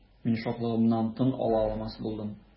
Мин шатлыгымнан тын ала алмас булдым.